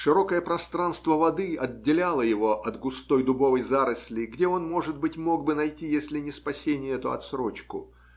широкое пространство воды отделяло его от густой дубовой заросли, где он, может быть, мог бы найти если не спасение, то отсрочку.